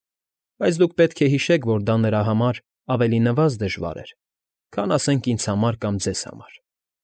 Բայց դուք պետք է հիշեք, որ դա նրա համար ավելի նվազ դժվար էր, քան ասենք ինձ համար կամ ձեզ համար։